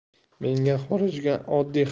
menga xorijga oddiy